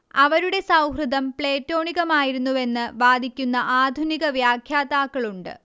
അവരുടെ സൗഹൃദം പ്ലേറ്റോണികമായിരുന്നുവെന്ന് വാദിക്കുന്ന ആധുനിക വ്യാഖ്യാതാക്കളുണ്ട്